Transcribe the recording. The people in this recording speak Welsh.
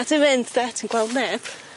A dwi'n mynd de, ti'n gweld neb.